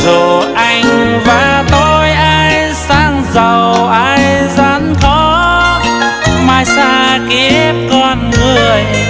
dù anh và tôi ai sang giàu ai gian khó mai xa kiếp con người